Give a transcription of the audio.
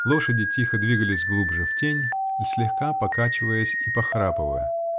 Лошади тихо двигались "глубже в тень", слегка покачиваясь и похрапывая .